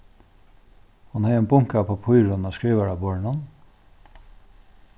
hon hevði ein bunka av pappírum á skrivaraborðinum